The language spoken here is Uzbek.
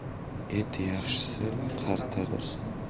et yaxshisi qartadir